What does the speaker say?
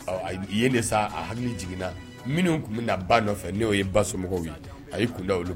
I ye de sa a hakili jiginna minnu tun bɛ na ba nɔfɛ n'o ye ba somɔgɔw ye a y'i kunda